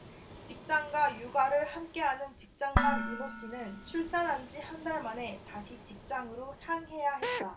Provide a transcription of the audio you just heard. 직장과 육아를 함께하는 직장맘 이모씨는 출산한지 한 달 만에 다시 직장으로 향해야 했다